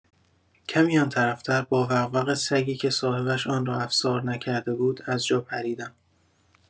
کمی آنطرف‌تر با وق وق سگی که صاحبش آن افسار نکرده بود از جا پردیم.